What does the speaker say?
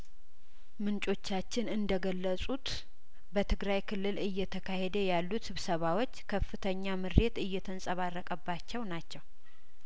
ምንጮቻችን እንደገለጹት በትግራይ ክልል እየተካሄደ ያሉት ስብሰባዎች ከፍተኛ ምሬት እየተንጸባረቀባቸው ናቸው